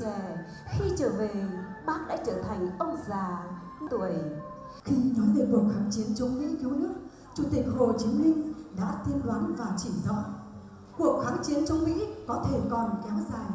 trẻ khi trở về bác đã trở thành ông già tuổi khi nói về cuộc kháng chiến chống mỹ cứu nước chủ tịch hồ chí minh đã tiên đoán và chỉ rõ cuộc kháng chiến chống mỹ có thể còn kéo dài